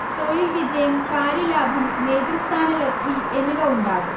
തൊഴിൽ വിജയം, കാര്യലാഭം, നേതൃസ്ഥാനലബ്ധി എന്നിവ ഉണ്ടാകും